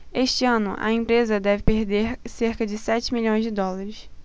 este ano a empresa deve perder cerca de sete milhões de dólares